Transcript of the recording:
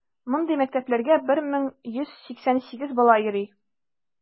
Мондый мәктәпләргә 1188 бала йөри.